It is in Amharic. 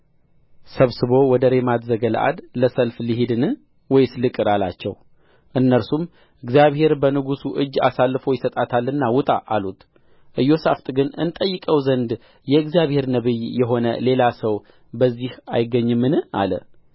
ሰብስቦ ወደ ሬማት ዘገለዓድ ለሰልፍ ልሂድን ወይስ ልቅር አላቸው እነርሱም እግዚአብሔር በንጉሡ እጅ አሳልፎ ይሰጣታልና ውጣ አሉት ኢዮሣፍጥ ግን እንጠይቀው ዘንድ የእግዚአብሔርን ነቢይ የሆነ ሌላ ሰው በዚህ አይገኝምን አለ